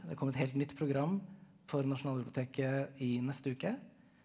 det kommer et helt nytt program for Nasjonalbiblioteket i neste uke.